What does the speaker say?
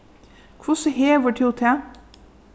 hvussu hevur tú tað